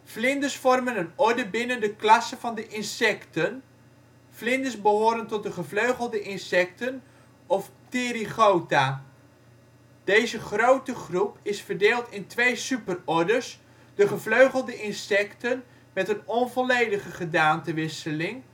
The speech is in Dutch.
Vlinders vormen een orde binnen de klasse van de insecten (Insecta). Vlinders behoren tot de gevleugelde insecten of Pterygota. Deze grote groep is verdeeld in twee superordes; de gevleugelde insecten met een onvolledige gedaanteverwisseling